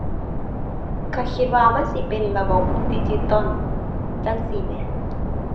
ก็คิดว่ามันสิเป็นระบบดิจิทัลจั่งซี้แหม